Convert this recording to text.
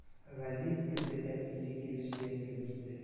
Газиз үзе әтиле килеш ятим үсте.